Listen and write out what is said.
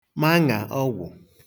maṅà ọgwụ̀